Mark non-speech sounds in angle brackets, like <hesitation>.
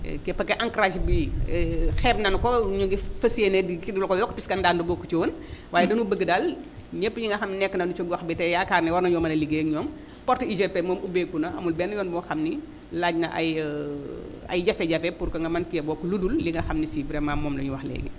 <hesitation> * encragé bi <hesitation> xeeb nañu ko ñu ngi fas yéene kii bi na ko yokk parce que Ndande bokku ci woon waaye dañoo bëgg daal ñëpp ñi nga xam nekk nañu ci gox bi te yaakaar ne war nañoo mën a liggéey ak ñoom porte UGFM moom ubbeeku na amul benn yoon boo xam ni laaj na ay <hesitation> ay jafe-jafe pour que nga mën cee bokk ludul li nga xam ne si vraiment moom lañuy wax léegi